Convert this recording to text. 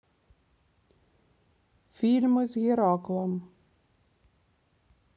фильмы с гераклом